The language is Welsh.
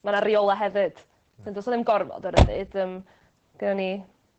mae 'na reola' hefyd. Hmm. 'Dyn do's 'na ddim gormod o ryddid yym. Gynnon ni.